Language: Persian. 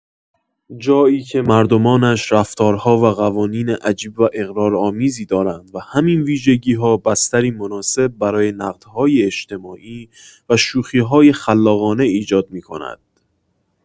جایی که مردمانش رفتارها و قوانین عجیب و اغراق‌آمیزی دارند و همین ویژگی‌ها بستری مناسب برای نقدهای اجتماعی و شوخی‌های خلاقانه ایجاد می‌کند.